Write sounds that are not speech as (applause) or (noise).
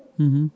(hesitation) (hesitation)